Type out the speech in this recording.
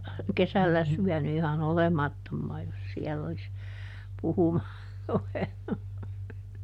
kesällä syönyt ihan olemattomaan jos siellä olisi puhumaan ruvennut